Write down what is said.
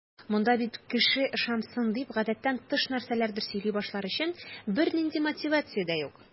Монда бит кеше ышансын дип, гадәттән тыш нәрсәләрдер сөйли башлар өчен бернинди мотивация дә юк.